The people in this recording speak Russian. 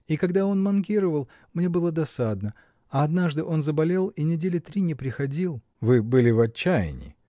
и когда он манкировал, мне было досадно, а однажды он заболел и недели три не приходил. — Вы были в отчаянии?